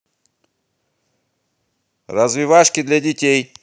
развивашки для детей